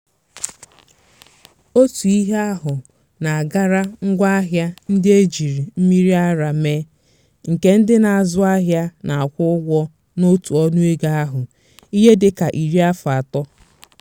Otu ihe ahu na-agara ngwaahịa ndị ejiri mmmiri ara mee, nke ndị na-azụahịa na-akwụ ụgwọ n'otu ọnụego ahụ ihe dịka ịrị afọ atọ.